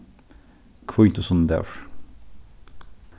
hvítusunnudagur